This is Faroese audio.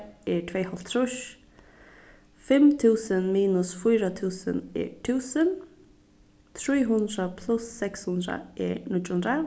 er tveyoghálvtrýss fimm túsund minus fýra túsund er túsund trý hundrað pluss seks hundrað er níggju hundrað